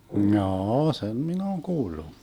jaa sen minä olen kuullut